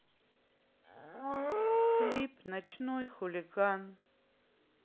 клип ночной хулиган